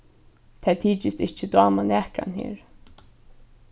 tær tykist ikki dáma nakran her